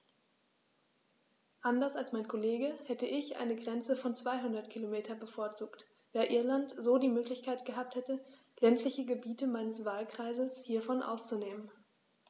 Anders als mein Kollege hätte ich eine Grenze von 200 km bevorzugt, da Irland so die Möglichkeit gehabt hätte, ländliche Gebiete meines Wahlkreises hiervon auszunehmen.